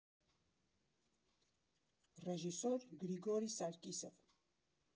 Ռեժիսոր՝ Գրիգորի Սարկիսով։